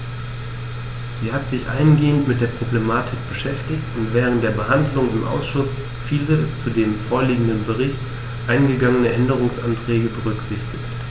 Sie hat sich eingehend mit der Problematik beschäftigt und während der Behandlung im Ausschuss viele zu dem vorliegenden Bericht eingegangene Änderungsanträge berücksichtigt.